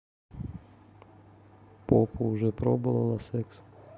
попу уже пробовала секс